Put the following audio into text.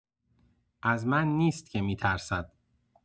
از من نیست که می‌ترسد.